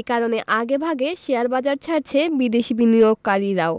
এ কারণে আগেভাগে শেয়ারবাজার ছাড়ছে বিদেশি বিনিয়োগকারীরাও